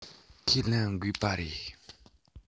ཁས ལེན འགོས པ རེད